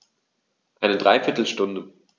Eine dreiviertel Stunde